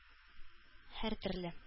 Һәртөрле